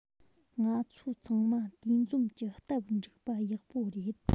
ང ཚོ ཚང མ དུས འཛོམས ཀྱི སྟབས འགྲིག པ ཡག པོ རེད